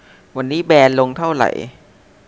วันนี้แบรนด์ลงเท่าไหร่